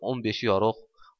o'n beshi yorug'